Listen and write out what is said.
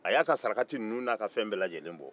a y'a ka sarakati ninnu n'a ka fɛn bɛɛ lajɛlen bɔ